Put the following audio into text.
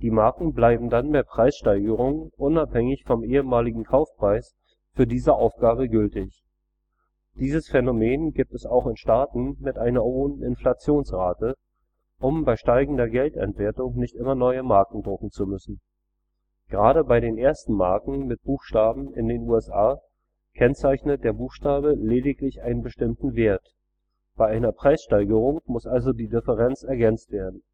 Marken bleiben dann bei Preissteigerungen unabhängig vom ehemaligen Kaufpreis für diese Aufgabe gültig. Dieses Phänomen gibt es auch in Staaten mit einer hohen Inflationsrate, um bei steigender Geldentwertung nicht immer neue Marken drucken zu müssen. Gerade bei den ersten Marken mit Buchstaben in den USA kennzeichnet der Buchstabe lediglich einen bestimmten Wert, bei einer Preissteigerung musste also die Differenz ergänzt werden